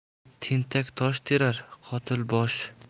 tentak tosh terar qotil bosh